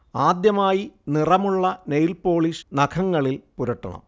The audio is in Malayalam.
ആദ്യമായി നിറമുള്ള നെയിൽ പോളിഷ് നഖങ്ങളിൽ പുരട്ടണം